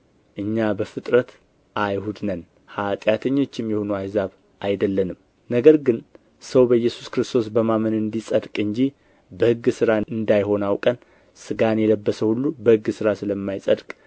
እኛ በፍጥረት አይሁድ ነን ኃጢአተኞችም የሆኑ አሕዛብ አይደለንም ነገር ግን ሰው በኢየሱስ ክርስቶስ በማመን እንዲጸድቅ እንጂ በሕግ ሥራ እንዳይሆን አውቀን ሥጋን የለበሰ ሁሉ በሕግ ሥራ ስለማይጸድቅ